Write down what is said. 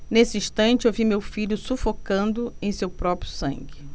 nesse instante ouvi meu filho sufocando em seu próprio sangue